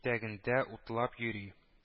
Итәгендә утлап йөри